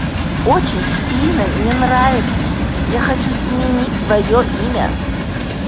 очень сильно не нравится я хочу сменить твое имя